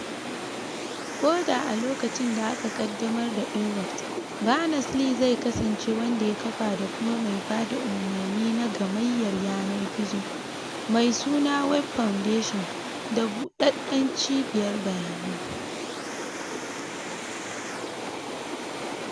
Ko da a lokacin da aka kaddamar da Inrupt, Berners-Lee zai kasance wanda ya kafa da kuma mai ba da umarni na Gammayyar Yanar Gizo, mai suna Web Foundation da Budaden Cibiyar Bayanai.